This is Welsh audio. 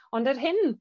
Ond yr hyn